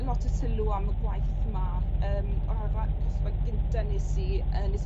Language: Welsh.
lot o sylw am y gwaith 'ma yym yr ardda-cosfa gynta nes i yy nes i